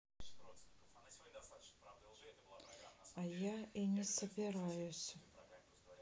а я и не собираюсь